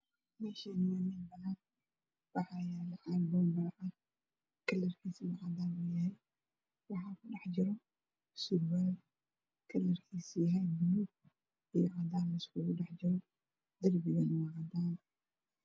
Meshan waxaa yala cag banbala ah kalrkisuna waa cadan waxaa saran surwal balug iyo cadan ah